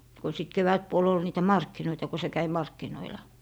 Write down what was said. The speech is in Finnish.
kun sitten kevätpuoli oli niitä markkinoita kun se kävi markkinoilla